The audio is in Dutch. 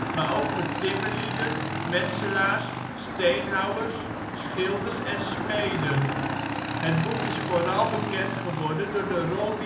maar ook voor timmerlieden, metselaars, steenhouwers, schilders en smeden. Het boek is vooral bekend geworden door de rol